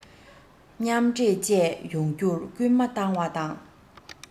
མཉམ འདྲེས བཅས ཡོང རྒྱུར སྐུལ མ བཏང བ དང